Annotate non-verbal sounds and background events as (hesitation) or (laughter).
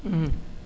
(hesitation) (hesitation)